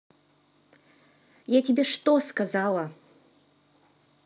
я тебе что сказала